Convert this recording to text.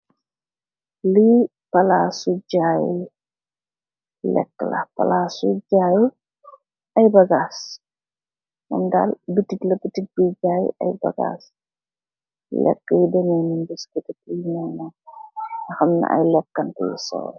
Li palasi jaye la lekuh la palasi si jaye aye bagass mom daal boutik la buye jaye aye bagass .